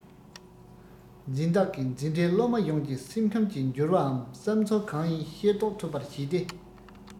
འཛིན བདག གིས འཛིན གྲྭའི སློབ མ ཡོངས ཀྱི སེམས ཁམས ཀྱི འགྱུར བའམ བསམ ཚུལ གང ཡིན ཤེས རྟོགས ཐུབ པར བྱས ཏེ